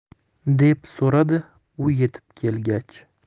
deb so'radi u yetib kelgach